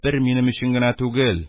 «бер минем өчен генә түгел,